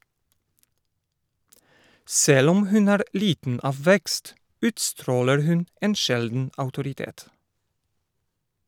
Selv om hun er liten av vekst, utstråler hun en sjelden autoritet.